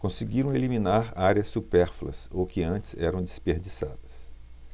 conseguiram eliminar áreas supérfluas ou que antes eram desperdiçadas